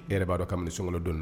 E yɛrɛ b'a dɔn kabini sunkalo donna